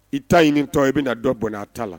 I ta ɲini tɔ i bɛna dɔ bɔnna a taa la